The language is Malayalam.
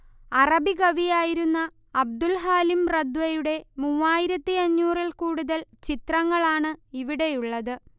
അറബികവി ആയിരുന്ന അബ്ദുൽ ഹാലിം റദ്വയുടെ മൂവായിരത്തിയഞ്ഞൂറിൽ കൂടുതൽ ചിത്രങ്ങളാണ് ഇവിടെയുള്ളത്